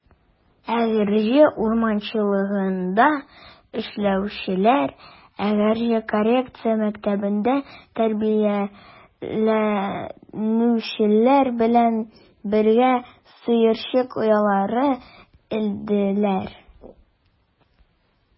Әгерҗе урманчылыгында эшләүчеләр Әгерҗе коррекция мәктәбендә тәрбияләнүчеләр белән бергә сыерчык оялары элделәр.